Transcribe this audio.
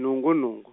nhungu nhungu.